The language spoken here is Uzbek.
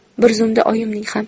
bir zumda oyimning ham